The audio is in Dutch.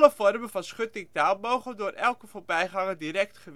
vormen van schuttingtaal mogen door elke voorbijganger direct